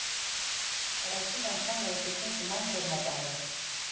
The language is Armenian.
Առաջին անգամ որոշեցինք նման ֆորմատ անել։